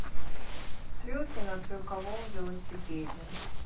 трюки на трюковом велосипеде